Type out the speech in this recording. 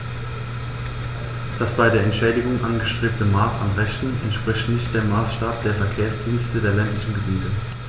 Das bei der Entschädigung angestrebte Maß an Rechten entspricht nicht dem Maßstab der Verkehrsdienste der ländlichen Gebiete.